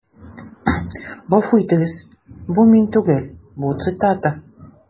Гафу итегез, бу мин түгел, бу цитата.